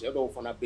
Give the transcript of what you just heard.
Cɛ dɔww fana bɛ yen